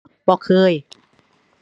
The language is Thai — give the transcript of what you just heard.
บ่เคย